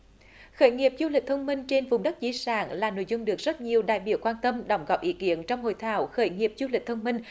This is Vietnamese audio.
khởi nghiệp du lịch thông minh trên vùng đất di sản là nội dung được rất nhiều đại biểu quan tâm đóng gỏm ỷ kiển trong hội thảo khởi nghiệp du lịch thông minh